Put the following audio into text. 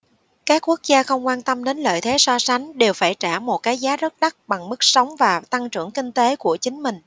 các quốc gia không quan tâm đến lợi thế so sánh đều phải trả một cái giá rất đắt bằng mức sống và tăng trưởng kinh tế của chính mình